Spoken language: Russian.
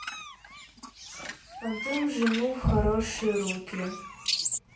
отдам жену в хорошие руки